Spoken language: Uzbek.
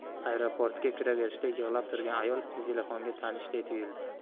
aeroportga kiraverishda yig'lab turgan ayol zelixonga tanishday tuyuldi